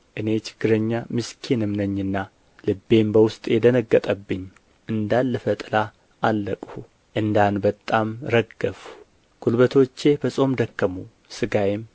እኔ ችግረኛ ምስኪንም ነኝና ልቤም በውስጤ ደነገጠብኝ እንዳለፈ ጥላ አለቅሁ እንደ አንበጣም እረገፍሁ ጕልበቶቼ በጾም ደከሙ ሥጋዬም